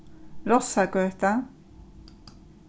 rossagøta